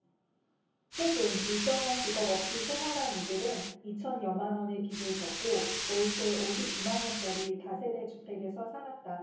최근 일정한 직업 없이 생활한 이들은 이 천여만원의 빚을 졌고 월세 오십 이 만원짜리 다세대 주택에서 살았다